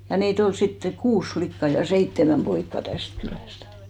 ja niitä oli sitten kuusi likkaa ja seitsemän poikaa tästä kylästä